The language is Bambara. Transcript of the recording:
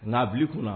Nabi kunna